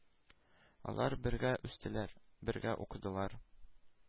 Алар бергә үстеләр. Бергә укыдылар.